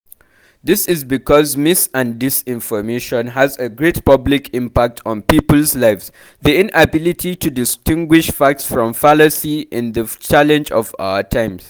This is because mis- and disinformation has a great public impact on people's lives; the inability to distinguish facts from fallacy is the challenge of our times.